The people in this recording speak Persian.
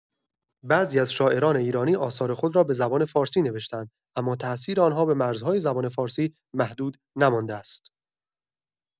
بعضی از شاعران ایرانی آثار خود را به زبان فارسی نوشته‌اند، اما تاثیر آن‌ها به مرزهای زبان فارسی محدود نمانده است.